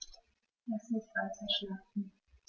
Lass mich weiterschlafen.